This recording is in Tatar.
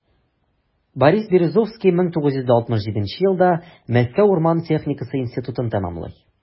Борис Березовский 1967 елда Мәскәү урман техникасы институтын тәмамлый.